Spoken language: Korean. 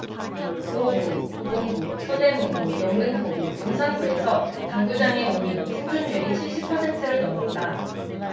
구로구 도봉구 서대문구 영등포구 용산구에서 당구장의 오 년 생존율이 칠십 퍼센트를 넘었다